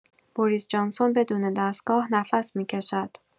بوریس جانسون بدون دستگاه نفس می‌کشد.